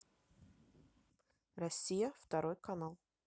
россия второй канал